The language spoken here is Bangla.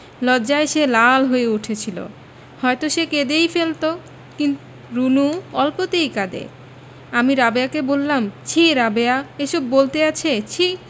লজ্জায় সে লাল হয়ে উঠেছিলো হয়তো সে কেঁদেই ফেলতো রুনু অল্পতেই কাঁদে আমি রাবেয়াকে বললাম ছিঃ রাবেয়া এসব বলতে আছে ছিঃ